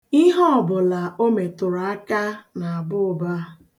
Ihe ọbụla o metụrụ aka na-aba ụba.